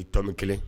I tɔmi 1